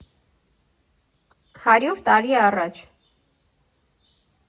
Հարյուր տարի առաջ։